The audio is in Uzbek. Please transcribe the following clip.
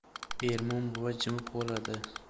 ermon buva jimib qoladi